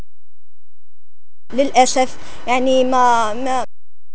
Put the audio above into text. للاسف يعني ما